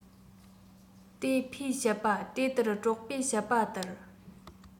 དེ ཕོས བཤད པ དེ ལྟར གྲོགས པོས བཤད པ ལྟར